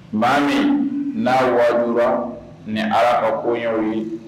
Ma min n'a wadu ni ala ka koɲɛ ye